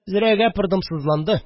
Зрәгә пырдымсызланды